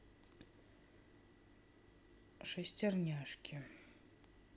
шестерняшки